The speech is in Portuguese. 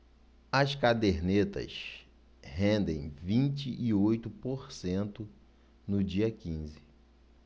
as cadernetas rendem vinte e oito por cento no dia quinze